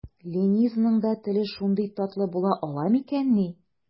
Ленизаның теле дә шундый татлы була ала микәнни?